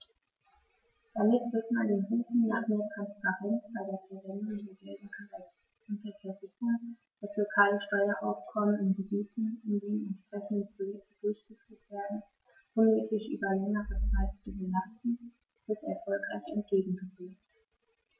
Damit wird man den Rufen nach mehr Transparenz bei der Verwendung der Gelder gerecht, und der Versuchung, das lokale Steueraufkommen in Gebieten, in denen entsprechende Projekte durchgeführt werden, unnötig über längere Zeit zu belasten, wird erfolgreich entgegengewirkt.